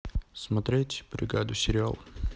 смотреть бригаду сериал